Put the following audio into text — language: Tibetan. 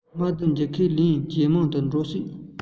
སྨུག རྡུལ འཇིབ ཁས ལེན ཇེ མང དུ འགྲོ སྲིད